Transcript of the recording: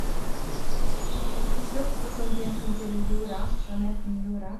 Og så til slutt så kom prinsen til jorda, planeten jorda.